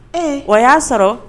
Ee o y'a sɔrɔ